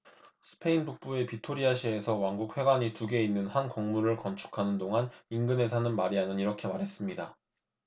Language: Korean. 스페인 북부의 비토리아 시에서 왕국회관이 두 개 있는 한 건물을 건축하는 동안 인근에 사는 마리안은 이렇게 말했습니다